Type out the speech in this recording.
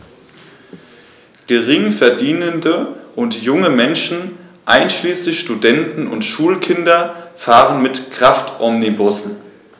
Geringverdienende und junge Menschen, einschließlich Studenten und Schulkinder, fahren mit Kraftomnibussen.